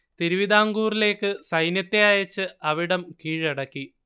തിരുവിതാംകൂറിലേക്ക് സൈന്യത്തെ അയച്ച് അവിടം കീഴടക്കി